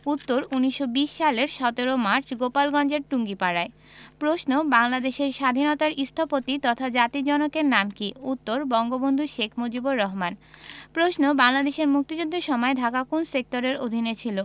উত্তর ১৯২০ সালের ১৭ মার্চ গোপালগঞ্জের টুঙ্গিপাড়ায় প্রশ্ন বাংলাদেশের স্বাধীনতার স্থপতি তথা জাতির জনকের নাম কী উত্তর বঙ্গবন্ধু শেখ মুজিবুর রহমান প্রশ্ন বাংলাদেশের মুক্তিযুদ্ধের সময় ঢাকা কোন সেক্টরের অধীনে ছিলো